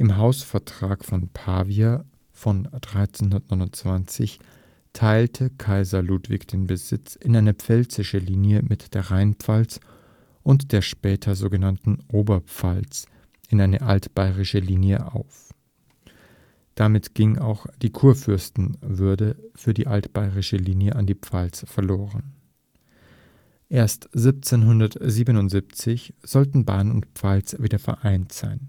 Hausvertrag von Pavia von 1329 teilte Kaiser Ludwig den Besitz in eine pfälzische Linie mit der Rheinpfalz und der später so genannten Oberpfalz und in eine altbaierische Linie auf. Damit ging auch die Kurfürstenwürde für die altbaierische Linie an die Pfalz verloren. Erst 1777 sollten Bayern und Pfalz wieder vereint sein